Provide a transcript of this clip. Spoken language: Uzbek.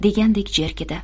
degandek jerkidi